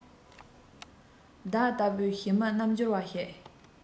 བདག ལྟ བུའི ཞི མི རྣལ འབྱོར བ ཞིག